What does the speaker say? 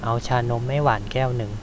เอาชานมไม่หวานแก้วนึง